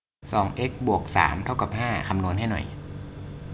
สองเอ็กซ์บวกสามเท่ากับห้าคำนวณให้หน่อย